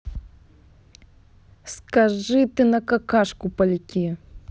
скажи ты на какашку поляки